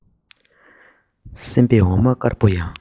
སེམས པས འོ མ དཀར པོ ཡང